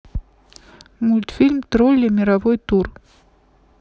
мультфильм тролли мировой тур